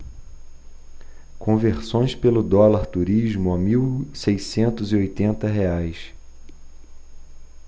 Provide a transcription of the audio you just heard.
conversões pelo dólar turismo a mil seiscentos e oitenta reais